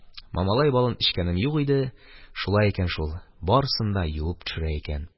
Мамалай балын эчкәнем юк иде, шулай икән шул, барысын да юып төшерә икән.